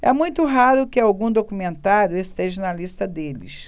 é muito raro que algum documentário esteja na lista deles